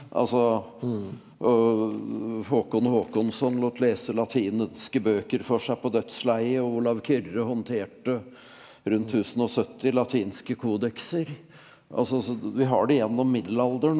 altså Håkon Håkonsson lot lese latinske bøker for seg på dødsleiet og Olav Kyrre håndterte rundt tusenogsytti latinske kodekser altså så vi har det gjennom middelalderen.